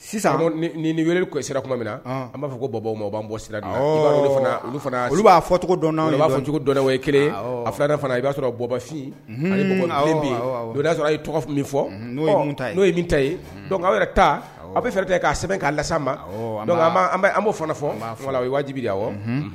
Sisan ni weele sira tuma min na an b'a fɔ ko bɔ b'an bɔ sira fana olu b'a fɔ tɔgɔ dɔn b'a fɔcogo dɔn kelen a i b'a sɔrɔbafin ni'a sɔrɔ tɔgɔfin min fɔ n'o ye min ta aw taa a bɛ fɛɛrɛ'a sɛbɛn' lasa ma' fana fɔ wajibi da wa